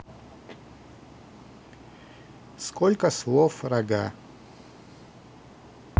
сколько слов рога